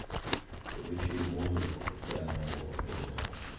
включи музыку для нового года